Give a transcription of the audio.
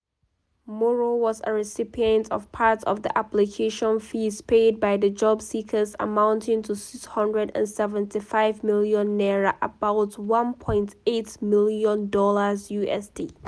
Moro was a recipient of part of the application fees paid by the job-seekers amounting to 675 million naira [about $1.8 million USD].